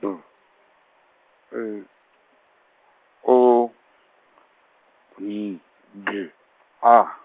B E O H G A.